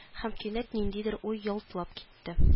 Һәм кинәт ниндидер уй ялтлап китте